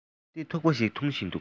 སྟབས བདེའི ཐུག པ འཐུང བཞིན འདུག